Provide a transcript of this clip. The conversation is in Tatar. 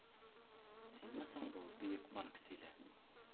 Синме соң бу — бөек Маркс иле